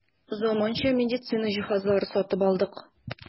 Заманча медицина җиһазлары сатып алдык.